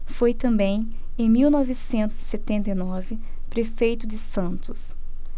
foi também em mil novecentos e setenta e nove prefeito de santos